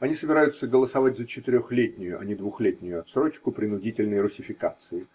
они собираются голосовать за четырехлетнюю, а не двухлетнюю отсрочку принудительной руссификации.